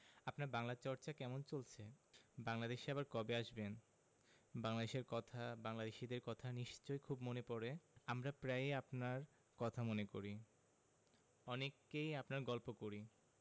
আপনার বাংলা চর্চা কেমন চলছে বাংলাদেশে আবার কবে আসবেন বাংলাদেশের কথা বাংলাদেশীদের কথা নিশ্চয় খুব মনে পরে আমরা প্রায়ই আপনারর কথা মনে করি অনেককেই আপনার গল্প করি